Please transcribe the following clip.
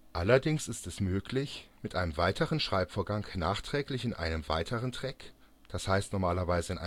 Allerdings ist es möglich, mit einem weiteren Schreibvorgang nachträglich in einem weiteren Track (das heißt normalerweise